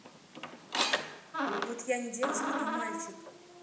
вот я не девочка а мальчик